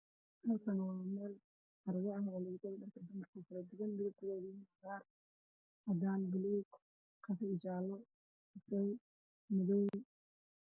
Halkani waa meel carwo ah waxaa yaalo dhar baatiyaal midabkoodu waa cadaan madow guudud jaalo